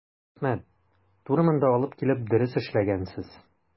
Рәхмәт, туры монда алып килеп дөрес эшләгәнсез.